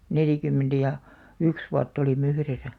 neljäkymmentä ja yksi vuotta olimme yhdessä